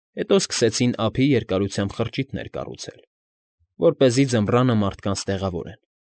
Հետո սկսեցին ափի երկարությամբ խրճիթներ կառուցել, որպեսզի ձմռանը մարդկանց տեղավորեն։